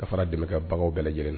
Ka fara dɛmɛ kɛbagaw bɛɛ lajɛlen na